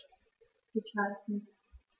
Ich weiß nicht.